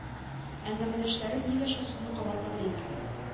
Әңгәмәдәшләрем нигә шул сүзне кабатлады икән